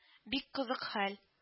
Бик кызык хәл: